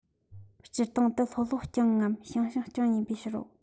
སྤྱིར བཏང དུ ལྷོ ལྷོ རྐྱང ངམ བྱང བྱང རྐྱང ཡིན པའི ཕྱིར རོ